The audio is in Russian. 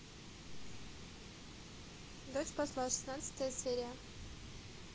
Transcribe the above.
дочь посла шестнадцатая серия